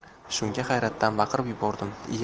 shunda hayratdan baqirib